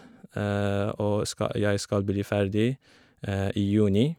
Og ska jeg skal bli ferdig i juni.